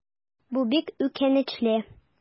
Бу бик үкенечле.